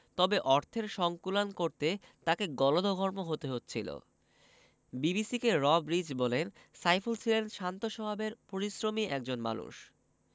তবে অর্থের সংকুলান করতে তাঁকে গলদঘর্ম হতে হচ্ছিল বিবিসিকে রব রিজ বলেন সাইফুল ছিলেন শান্ত স্বভাবের পরিশ্রমী একজন মানুষ